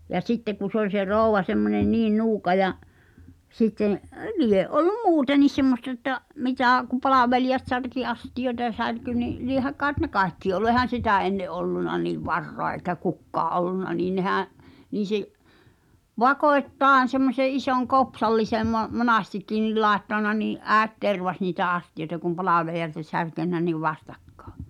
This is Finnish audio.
ja sitten kun se oli se rouva semmoinen niin nuuka ja sitten lie ollut muutenkin semmoista että mitä kun palvelijat särki astioita ja särkyi niin lie kai ne kaikki ollut eihän sitä ennen ollut niin varaa eikä kukaan ollut niin nehän niin se vakoittain semmoisen ison kopsallisen - monestikin niin laittanut niin äiti tervasi niitä astioita kun palvelijat oli särkenyt niin vastakkain